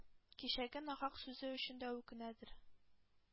Кичәге нахак сүзе өчен дә үкенәдер..